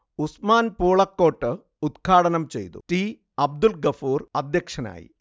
ഉസ്മാൻ പൂളക്കോട്ട് ഉദ്ഘാടനം ചെയ്തു, ടി അബ്ദുൾഗഫൂർ അധ്യക്ഷനായി